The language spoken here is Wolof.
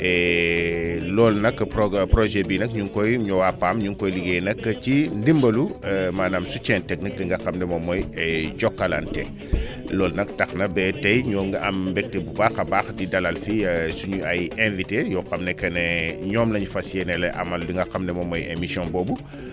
et loolu nag program projet bii nag ñu ngi koy ñu waa PAM ñu ngi koy liggéey nag ci ndimbalu maanaam soutien technique ki nga xam ne mooy mooy Jokalante loolu nag tax na ba tey ñoo ngi am mbégte bu baax a baax di dalal fii suñu ay invités yoo xam ne que ne ñoom la ñu fas yéene amal li nga xam ne moom mooy émission boobu